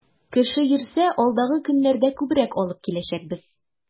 Кеше йөрсә, алдагы көннәрдә күбрәк алып киләчәкбез.